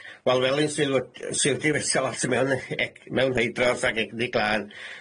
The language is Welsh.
Wel fel un sy'n wed- sydd 'di investio lot i mewn yy ec- mewn heidros ag egni glân,